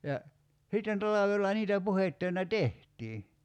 ja sitten talvella niitä puhdetöinä tehtiin